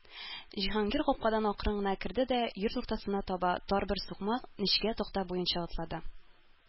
Җиһангир капкадан акрын гына керде дә йорт уртасына таба тар бер сукмак—нечкә такта буенча атлады.